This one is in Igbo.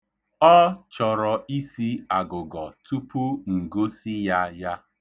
Ọ chọrọ isi agụgọ tupu m gosi ya ya.